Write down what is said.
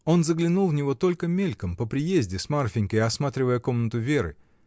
Он заглянул в него только мельком, по приезде, с Марфинькой, осматривая комнату Веры.